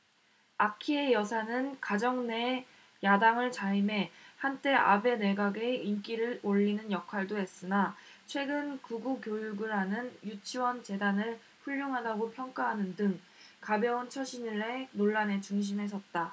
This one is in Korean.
아키에 여사는 가정 내 야당을 자임해 한때 아베 내각의 인기를 올리는 역할도 했으나 최근 극우교육을 하는 유치원재단을 훌륭하다고 평가하는 등 가벼운 처신을 해 논란의 중심에 섰다